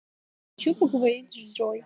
хочу поговорить с джой